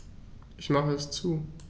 Ich mache es zu.